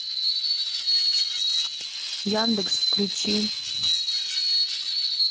яндекс включи